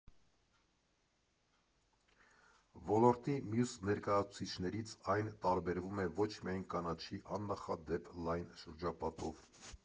Ոլորտի մյուս ներկայացուցիչներից այն տարբերվում է ոչ միայն կանաչի աննախադեպ լայն շրջապատով.